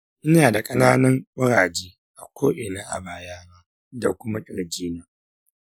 ina da ƙananan kuraje a ko'ina a bayana da kuma ƙirjina.